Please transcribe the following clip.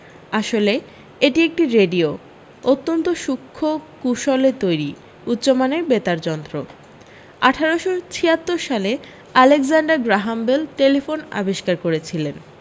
আসলে এটি একটি রেডিও অত্যন্ত সূক্ষ্ম কুশলে তৈরী উচ্চমানের বেতার যন্ত্র আঠারোশ ছিয়াত্তর সালে আলেকজ্যান্ডার গ্র্যাহাম বেল টেলিফোন আবিষ্কার করেছিলেন